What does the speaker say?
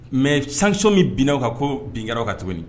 Mɛ sansɔn min bininaw kan ko binw ka tuguni